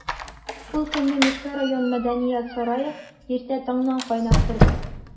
Ул көнне Мишкә район мәдәният сарае иртә таңнан кайнап торды.